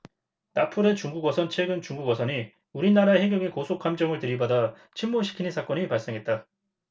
나포된 중국어선 최근 중국 어선이 우리나라 해경의 고속함정을 들이받아 침몰시키는 사건이 발생했다